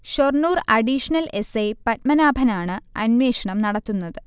Shoranur additional S. I. പത്മനാഭനാണ് അന്വേഷണം നടത്തുന്നത്